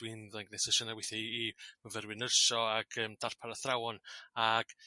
dwi'n fyddai'n g'neud sesiyna' withia' i i myfyrwyr nyrsio ac yym darpar athrawon ag